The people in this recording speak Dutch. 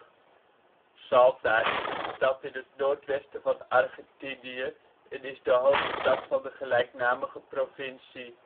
Salta is een stad in het noordwesten van Argentinië en is de hoofdstad van de gelijknamige provincie